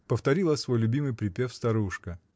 — повторила свой любимый припев старушка.